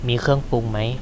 มีเครื่องปรุงไหม